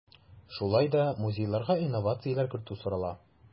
Шулай да музейларга инновацияләр кертү сорала.